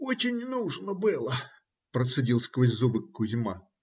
- Очень нужно было, - процедил сквозь зубы Кузьма.